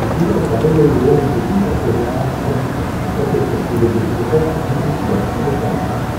über drei Millionen Besucher pro Jahr sind das doppelt soviele Besucher wie im Schloß Neuschwanstein